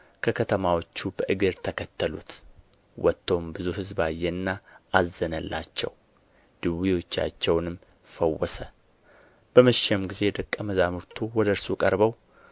ከከተማዎቹ በእግር ተከተሉት ወጥቶም ብዙ ሕዝብ አየና አዘነላቸው ድውዮቻቸውንም ፈወሰ በመሸም ጊዜ ደቀ መዛሙርቱ ወደ እርሱ ቀርበው